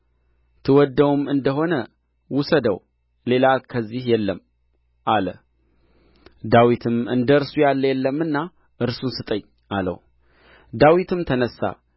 ትወድደውም እንደ ሆነ ውሰደው ሌላ ከዚህ የለም አለ ዳዊትም እንደ እርሱ ያለ የለምና እርሱን ስጠኝ አለው ዳዊትም ተነሣ